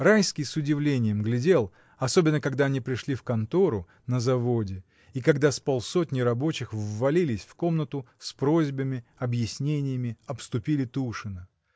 Райский с удивлением глядел, особенно когда они пришли в контору на заводе и когда с полсотни рабочих ввалились в комнату, с просьбами, объяснениями, обступили Тушина.